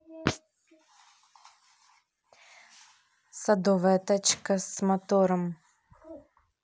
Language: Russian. садовая тачка с мотором